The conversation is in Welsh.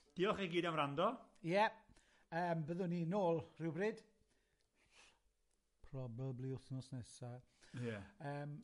diolch chi gyd am wrando. Ie yym byddwn ni nôl rhywbryd probably wthnos nesa. Ie. Yym